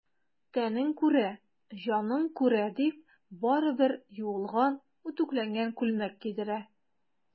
Тәнең күрә, җаның күрә,— дип, барыбер юылган, үтүкләнгән күлмәк кидерә.